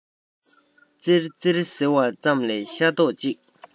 ཙེར ཙེར ཟེར བ ཙམ ལས ཤ རྡོག གཅིག